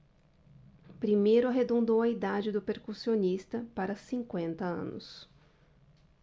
primeiro arredondou a idade do percussionista para cinquenta anos